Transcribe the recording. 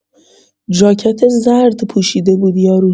جاکت زرد پوشیده بود یارو